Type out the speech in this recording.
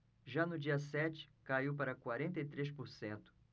já no dia sete caiu para quarenta e três por cento